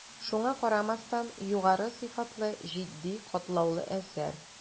Шуңа карамастан, югары сыйфатлы, житди, катлаулы әсәр.